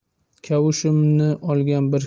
kavushimni olgan bir